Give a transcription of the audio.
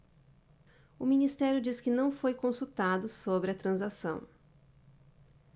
o ministério diz que não foi consultado sobre a transação